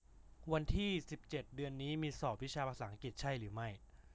วันที่สิบเจ็ดเดือนนี้มีสอบวิชาภาษาอังกฤษใช่หรือไม่